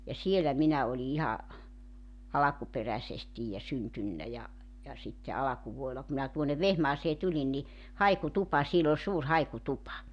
ja siellä minä olin ihan alkuperäisesti ja syntynyt ja ja sitten alkuvuodella kun minä tuonne Vehmaaseen tulin niin haikutupa siellä oli suuri haikutupa